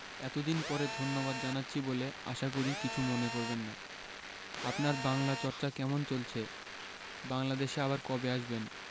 এতদিন পরে ধন্যবাদ জানাচ্ছি বলে আশা করি কিছু মনে করবেন না আপনার বাংলা চর্চা কেমন চলছে বাংলাদেশে আবার কবে আসবেন